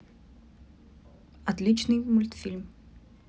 отличный мультфильм